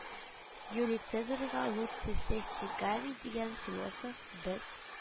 Юлий Цезарьга Луций Сестий Гавий дигән философ: «Без